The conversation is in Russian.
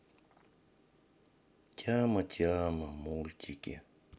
тяма тяма мультики